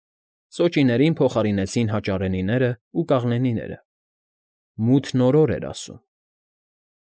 Սոճիներին փոխարինեցին հաճարենիներն ու կաղնիները, մութն օրոր էր ասում։